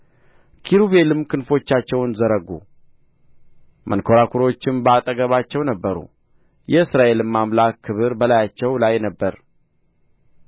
ኪሩቤልም ክንፎቻቸውን ዘረጉ መንኰራኵሮችም በአጠገባቸው ነበሩ የእስራኤልም አምላክ ክብር በላያቸው ላይ ነበረ